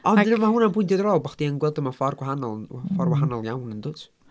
Ond... ag ...dy- ma' hwnna yn bwynt diddorol bod chdi yn gweld o mewn ffordd gwahanol yn... mm ...w- ffordd wahanol iawn yn dwyt?